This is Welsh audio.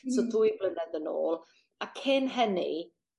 so dwy flynedd yn ôl a cyn hynny